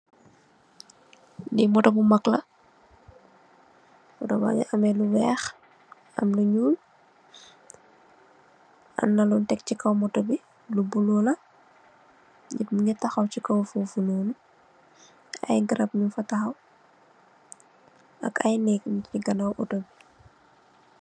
Li moto bu mag la, Moto ba ngi ameh lu weeh, am lu ñuul. Amna lun tekk chi kaw moto bi, lu bulo la nit mungi tahaw chi kaw fofunoon ay garab mung fa tahaw ak ay néeg nung ci ganaaw auto bi.